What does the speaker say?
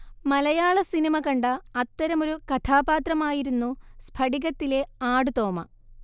മലയാളസിനിമ കണ്ട അത്തരമൊരു കഥാപാത്രമായിരുന്നു 'സ്ഫടിക'ത്തിലെ ആടുതോമ